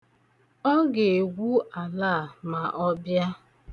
Ọ ga-egwu ala a ma ọ bịa.